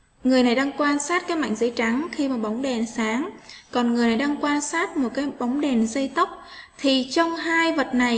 người này đang quan sát cái mảnh giấy trắng khi vào bóng đèn sáng con người đang quan sát một cây bóng đèn dây tóc thì trong hai vật này